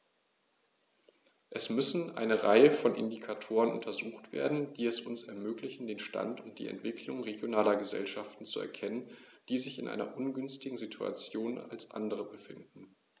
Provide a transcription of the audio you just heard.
Es müssen eine Reihe von Indikatoren untersucht werden, die es uns ermöglichen, den Stand und die Entwicklung regionaler Gesellschaften zu erkennen, die sich in einer ungünstigeren Situation als andere befinden.